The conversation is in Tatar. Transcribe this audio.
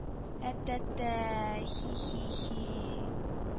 - ә-тә-тә-тә-тә хи-хи-хи